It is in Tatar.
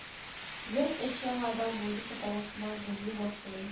Йорт эче яңадан музыка тавышыннан гүли башлый